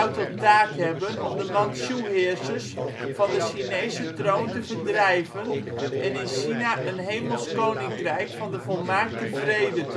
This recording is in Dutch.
tot taak hebben om de Mantsjoe-heersers van de Chinese troon te verdrijven en in China een Hemels Koninkrijk van de Volmaakte Vrede